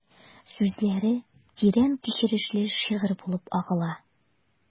Сүзләре тирән кичерешле шигырь булып агыла...